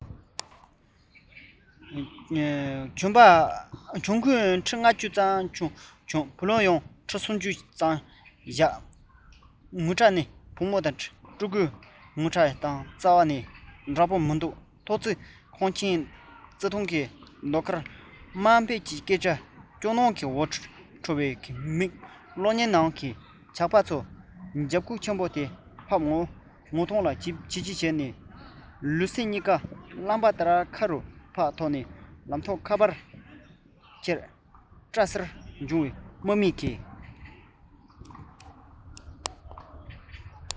གྱོང གུན ཁྲི ལྔ བཅུ ཙམ བྱུང བུ ལོན ཡང ཁྲི སུམ ཅུ ཙམ བཞག ཡོད ངུ སྒྲ ནི བུ མོ དང ཕྲུ གུའི ངུ སྒྲ དང རྩ བ ནས འདྲ པོ མི འདུག ཐོག བརྩེགས ཁང ཆེན བརྩེ དུང གི ཟློས གར དམའ འབེབས ཀྱི སྐད ཅོར སྐྱོ སྣང གི འོད འཕྲོ བའི མིག གློག བརྙན ནང གི ཇག པ ཚོ རྒྱབ ཁུག ཆེན པོ དེ ཕབ ངོ གདོང ལ བྱིལ བྱིལ ཞིག བྱས ལུས སེམས གཉིས ཀ རླངས པ ལྟར མཁའ རུ ཡར འཕགས ལག ཐོགས ཁ པར འཁྱེར སྐྲ སེར འབྱུང བོའི དམག གིས